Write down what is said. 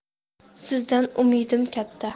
sizdan umidim katta